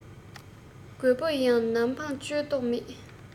རྒོད པོ ཡིན ཡང ནམ འཕང གཅོད མདོག མེད